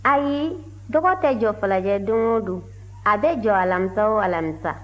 ayi dɔgɔ tɛ jɔ falajɛ don o don a bɛ jɔ alamisa o alamisa